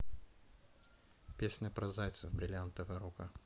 песня про зайцев бриллиантовая рука